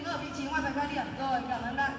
rồi mình cảm ơn bạn